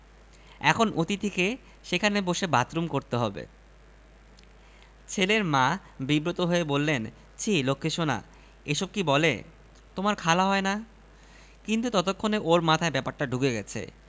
মাঝে মধ্যেই যেতাম তার বাসায় সাহিত্য তার উদ্দেশ্য এইসব নিয়ে উচ্চমার্গের কথাবার্তা হত সেদিনও তার বাসায় গিয়েছি বাংলাদেশে কেন